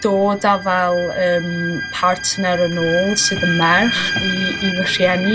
dod a fel yym partner yn ôl sydd yn merch i i fy rhieni